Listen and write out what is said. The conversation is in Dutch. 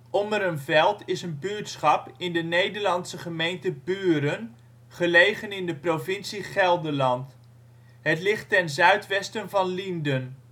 Ommerenveld is een buurtschap in de Nederlandse gemeente Buren, gelegen in de provincie Gelderland. Het ligt in ten zuidwesten van Lienden